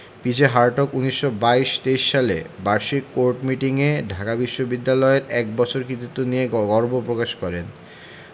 P J Hartog ১৯২২ ২৩ সালে বার্ষিক court meeting এ ঢাকা বিশ্ববিদ্যালয়ের এক বছরের কৃতিত্ব নিয়ে গর্ব প্রকাশ করেন